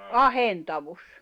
ahentaus